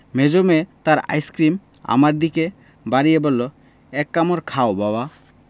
মেজো মেয়ে তার আইসক্রিম আমার দিকে বাড়িয়ে বলল এক কামড় খাও বাবা